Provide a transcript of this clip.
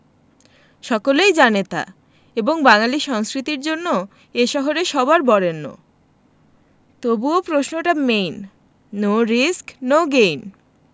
সকলেই জানে তা এবং বাঙালী সংস্কৃতির জন্য এ শহরে সবার বরেণ্য তবুও প্রশ্নটা main no risk no gain